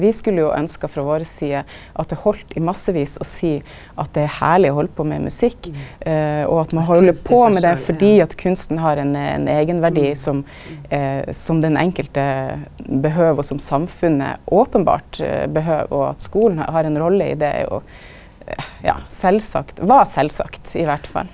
vi skulle jo ønskja frå vår side at det heldt i massevis å seia at det er herleg å halda på med musikk, og at ein held på med det fordi at kunsten har ein ein eigenverdi som som den enkelte behøver og som samfunnet openbert behøver og at skulen har ei rolle i det er jo ja sjølvsagt var sjølvsagt iallfall.